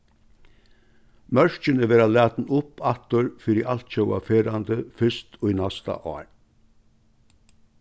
mørkini verða latin upp aftur fyri altjóða ferðandi fyrst í næsta ár